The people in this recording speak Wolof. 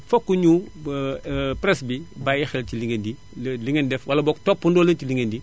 faut que ñu presse bi bàyyi xel ci li ngeen di li ngeen def wala boog toppandoo leen ci li ngeen di